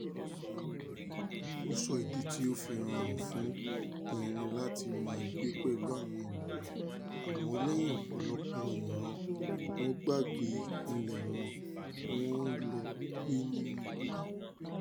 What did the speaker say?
Ó sọ ìdí tí ó fi rọrùn fún erin láti máa gbé pẹ̀lú àwọn ènìyàn àmọ́, lẹ́yìn ọ̀pọ̀lọpọ̀ ìran, wọ́n gbàgbé ìpìlẹ̀ wọn, wọ́n lọ ń gbé nínú igbó.